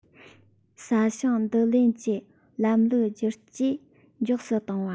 ས ཞིང བསྡུ ལེན གྱི ལམ ལུགས བསྒྱུར བཅོས མགྱོགས སུ གཏོང བ